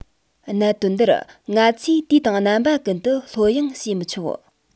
གནད དོན འདིར ང ཚོས དུས དང རྣམ པ ཀུན ཏུ ལྷོད གཡེང བྱས མི ཆོག